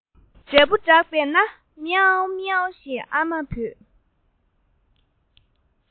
འབྲས བུ བསྒྲགས པས ན མཱེ མཱེ ཞེས ཨ མ དགོད